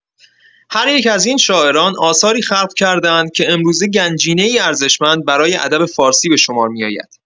هر یک از این شاعران، آثاری خلق کرده‌اند که امروزه گنجینه‌ای ارزشمند برای ادب فارسی به شمار می‌آید.